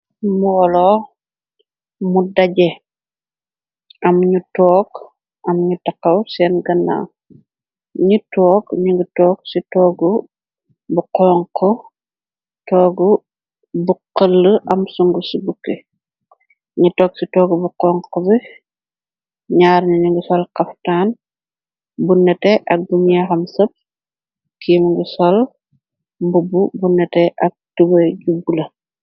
Mboolo mu daje am ñu toog am ñu taxaw seen ganna ñu toog ni ngi toog ci toogug bu xël am sungu ci bukki nu toog ci toog bu konxobi ñaar ni ni ngi sol xaftaan bunnate ak bumieexam sëp kingu sol mbubb bunnate ak tube jubbu la.